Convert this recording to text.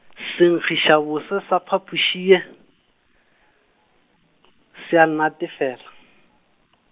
senkgišabose sa phapoši ye , se a nnatefela .